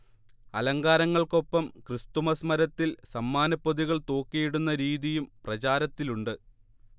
അലങ്കാരങ്ങൾക്കൊപ്പം Christmas മരത്തിൽ സമ്മാനപ്പൊതികൾ തൂക്കിയിടുന്ന രീതിയും പ്രചാരത്തിലുണ്ട്